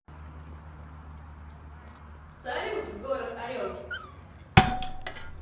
салют город орел